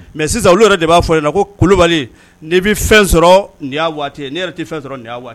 Mɛ sisan olu yɛrɛ de b'a fɔ ko kulubali ne bɛ fɛn sɔrɔ waati ne yɛrɛ tɛ fɛn sɔrɔ nin